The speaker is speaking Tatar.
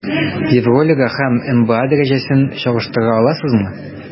Евролига һәм НБА дәрәҗәсен чагыштыра аласызмы?